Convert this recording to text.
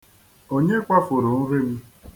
Onye kwafuru nri m?